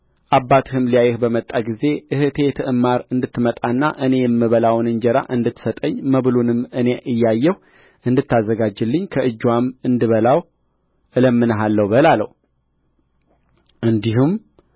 አባትህም ሊያይህ በመጣ ጊዜ እኅቴ ትዕማር እንድትመጣና እኔ የምበላውን እንጀራ እንድትሰጠኝ መብሉንም እኔ እያየሁ እንድታዘጋጅልኝ ከእጅዋም እንድበላው እለምንሃለሁ በል አለው እንዲሁም